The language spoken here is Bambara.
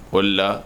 Paul la